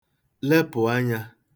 lepụ̀ anyā